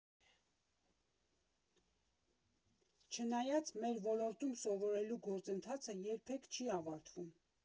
Չնայած, մեր ոլորտում սովորելու գործընթացը երբեք չի ավարտվում.